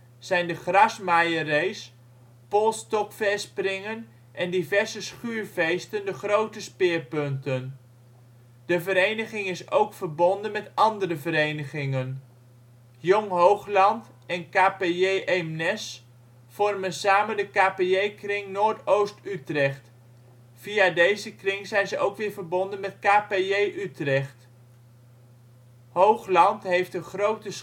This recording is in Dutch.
zijn de grasmaaierrace, polsstokverspringen en diverse schuurfeesten de grote speerpunten. De vereniging is ook verbonden met andere verenigingen. Jong Hoogland en K.P.J. Eemnes vormen samen de K.P.J. Kring Noord Oost Utrecht. Via deze Kring zijn ze ook weer verbonden met K.P.J. Utrecht. Hoogland heeft een grote